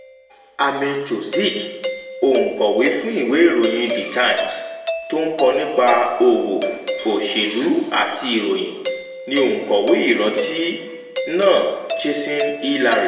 Amy Chozick, òǹkọ̀wé fún ìwé ìròyìn The Times tó ń kọ nípa òwò, òṣèlú àti ìròyìn, ni òǹkọ̀wé ìwé ìrántí náà "Chasing Hillary".